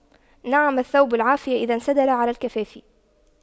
نعم الثوب العافية إذا انسدل على الكفاف